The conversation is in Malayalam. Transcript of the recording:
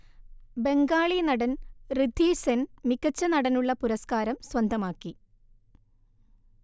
ബംഗാളി നടൻ ഋഥീസെൻ മികച്ച നടനുള്ള പുരസ്ക്കാരം സ്വന്തമാക്കി